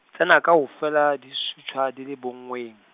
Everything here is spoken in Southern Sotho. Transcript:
tsena kaofela, di sutjwa di le bonngweng.